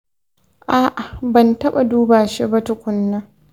a’a, ban taɓa duba shi ba tukunna.